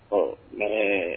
Ɔ mais